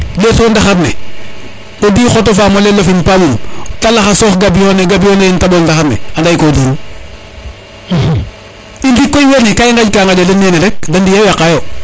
ɗetiro ndaxar ne o di xoto famole lefin pamum te laxasoox gambiyo ne gambiyo ne yen te ɓol ndaxar ne anda ye ko di in i ndi koy wene ga i ngaƴ ka den nene rek de ndiya yaqa yo